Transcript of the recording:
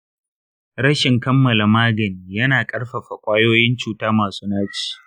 rashin kammala magani yana ƙarfafa ƙwayoyin cuta masu naci.